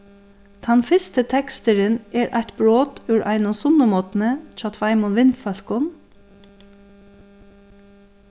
tann fyrsti teksturin er eitt brot úr einum sunnumorgni hjá tveimum vinfólkum